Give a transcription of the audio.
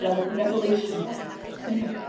...rel- revelation bach.